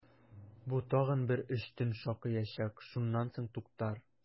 Бу тагын бер өч төн шакыячак, шуннан соң туктар!